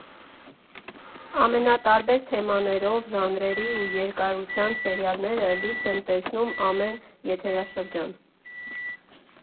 Ամենտարբեր թեմաներով, ժանրերի ու երկարության սերիալները լույս են տեսնում ամեն եթերաշրջան։